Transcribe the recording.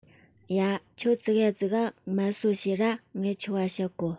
ཡ ཁྱོས ཙི གེ ཟིག ག མལ སྲོལ བྱོས ར ངས ཁྱོད འ བཤད གོ